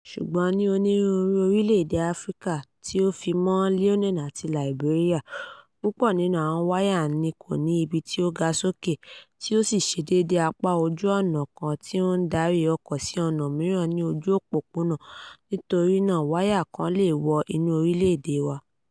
Ṣùgbọ́n, ní onírúurú orílẹ̀ èdè Áfríkà - tí ó fi mọ́ Leone àti Liberia - púpọ̀ nínú àwọn wáyà ni kò ní ibi tí ó ga sókè (tí ó ṣe déédé apá ojú ònà kan tí ó ń darí ọkọ sí ọ̀nà mìíràn ní ojú òpópónà), nítorí náà wáyà kan lè wọ inú orílẹ̀ èdè wá.